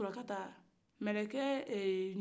sulakata